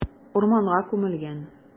Урманга күмелгән.